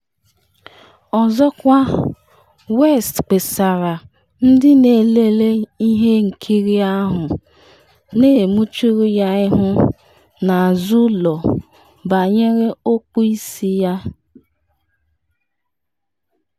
Ọzọkwa, West kpesara ndị n’elele ihe nkiri ahụ na emechuru ya ihu n’azụ ụlọ banyere okpu isi ya.